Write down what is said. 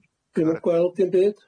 Dwi'm yn gweld dim byd.